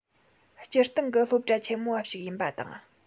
སྤྱིར བཏང གི སློབ གྲྭ ཆེན མོ བ ཞིག ཡིན པ དང